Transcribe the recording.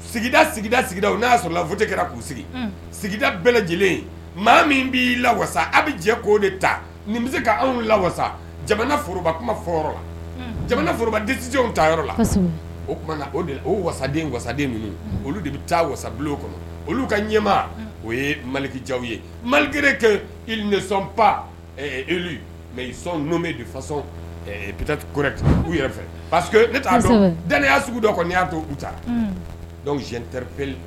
Sigida sigida sigida n'a sɔrɔ fo kɛra k'u sigi sigida bɛɛ lajɛlen maa min b'i la a bɛ jɛ ko de ta nin bɛ se k anw la jamana forooroba kuma la jamana forooroba denjɛw ta yɔrɔ la o na o o waden waden minnu olu de bɛ taa wasabu kɔnɔ olu ka ɲɛmaa o ye malikijaw ye malikɛre kɛ sɔn pan mɛ sɔn bɛ fasɔn bitɔnu yɛrɛ fɛ paseke ne t dɔnni yya sugu dɔ kɔnɔ ni y'a to u tapli